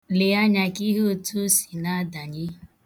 Lee anya ka ị hụ etu o si na-adanye.